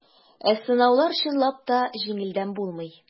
Ә сынаулар, чынлап та, җиңелдән булмый.